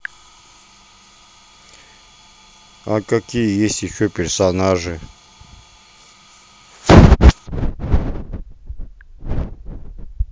а какие есть персонажи